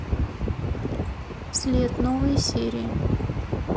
след новые серии